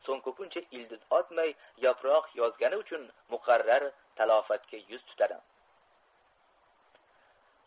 so'ng ko'pincha ildiz otmay yaproq yozgani uchun muqarrar talafotga yuz tutadi